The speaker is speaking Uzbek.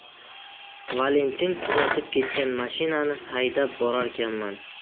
valentin tuzatib ketgan mashinani haydab borarkanman